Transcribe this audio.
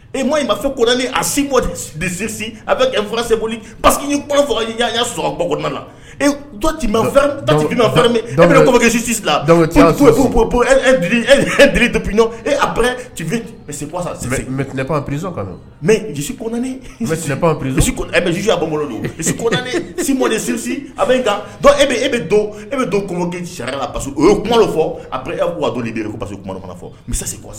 E in ma fɔ kodani a sinkosi a bɛfa pa y'i s kɔnɔna sisi foyip e mɛp pri mɛsipdpsi a bolo dondsi mɔsi a bɛ e e bɛ e bɛ don kungo basi o kuma fɔ kɔnɔ fɔ misi se sa